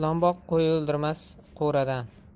boq qo'y oldirmas qo'radan